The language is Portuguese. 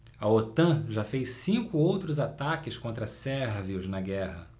a otan já fez cinco outros ataques contra sérvios na guerra